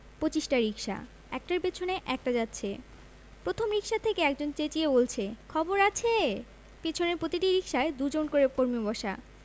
পঁচিশটা রিকশা একটার পেছনে একটা যাচ্ছে প্রথম রিকশা থেকে একজন চেঁচিয়ে বলছে খবর আছে পেছনের প্রতিটি রিকশায় দু জন করে কর্মী বসা